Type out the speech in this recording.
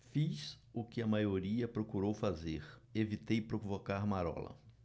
fiz o que a maioria procurou fazer evitei provocar marola